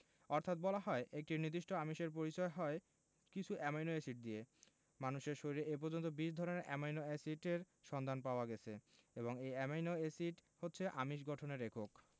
অর্থাৎ বলা যায় একটি নির্দিষ্ট আমিষের পরিচয় হয় কিছু অ্যামাইনো এসিড দিয়ে মানুষের শরীরে এ পর্যন্ত ২০ ধরনের অ্যামাইনো এসিডের সন্ধান পাওয়া গেছে এবং এই অ্যামাইনো এসিড হচ্ছে আমিষ গঠনের একক